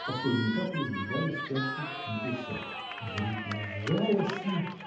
как последние капли сбегали с чашки на песок. – Вы безжалостны!